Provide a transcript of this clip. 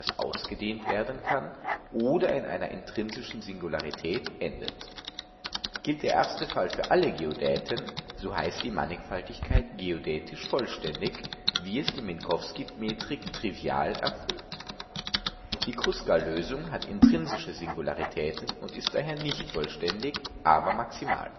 ausgedehnt werden kann oder in einer intrinsischen Singularität endet. Gilt der erste Fall für alle Geodäten, so heißt die Mannigfaltigkeit geodätisch vollständig, wie es die Minkowski-Metrik trivial erfüllt. Die Kruskal-Lösung hat intrinsische Singularitäten und ist daher nicht vollständig, aber maximal